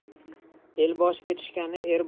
el boshiga tushgani